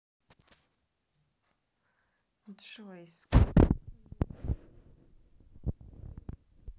джой сколько лет софии ротару